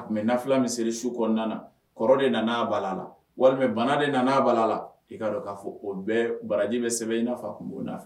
A tun bɛ fula min siri su kɔnɔna na kɔrɔ de nana a bala la walima bana de nana a bala la i ka k'a fɔ o bɛɛ baraji bɛ sɛbɛn ia tun b' nɔfɛ